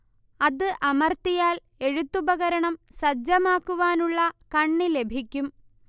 അത് അമർത്തിയാൽ എഴുത്തുപകരണം സജ്ജമാക്കുവാനുള്ള കണ്ണി ലഭിക്കും